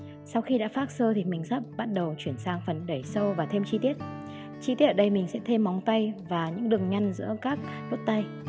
sau khi đã phác sơ thì mình sẽ bắt đầu chuyển sang phần đẩy sâu và thêm chi tiết chi tiết ở đây mình sẽ thêm móng tay và những đường nhăn giữa các đốt tay